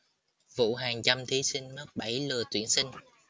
vụ hàng trăm thí sinh mắc bẫy lừa tuyển sinh